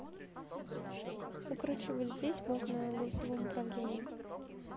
ну короче вот здесь можно голосовым управлением